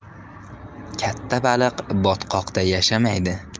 katta baliq botqoqda yashamaydi